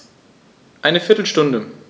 Eine viertel Stunde